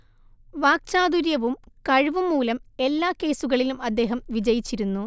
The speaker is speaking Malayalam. വാക്ചാതുര്യവും കഴിവും മൂലം എല്ലാ കേസുകളിലും അദ്ദേഹം വിജയിച്ചിരുന്നു